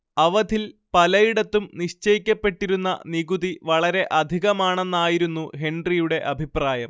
അവധിൽ പലയിടത്തും നിശ്ചയിക്കപ്പെട്ടിരുന്ന നികുതി വളരെ അധികമാണെന്നായിരുന്നു ഹെൻറിയുടെ അഭിപ്രായം